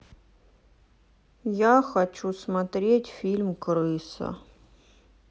я хочу смотреть фильм крыса